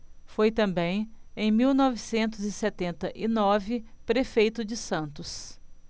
foi também em mil novecentos e setenta e nove prefeito de santos